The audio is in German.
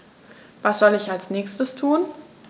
Was soll ich als Nächstes tun?